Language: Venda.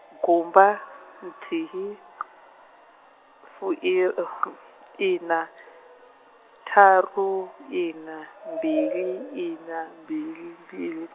gumba, nthihi , fuwi, iṋa, ṱharu iṋa mbili iṋa mbili mbili.